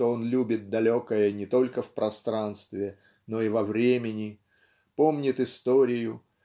что он любит далекое не только в пространстве но и во времени помнит историю